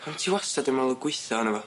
Pam ti wastad yn me'wl o gweitho ohono fo?